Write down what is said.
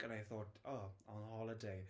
And I thought oh, on holiday.